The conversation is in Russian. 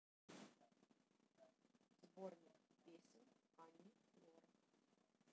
сборник песен ани лорак